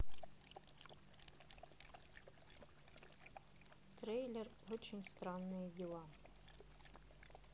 трейлер очень странные дела